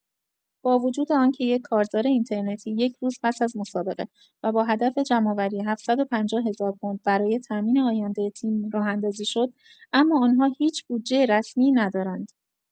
با وجود آن‌که یک کارزار اینترنتی یک روز پس از مسابقه و با هدف جمع‌آوری ۷۵۰ هزار پوند برای تامین آینده تیم راه‌اندازی شد، اما آن‌ها هیچ بودجه رسمی ندارند.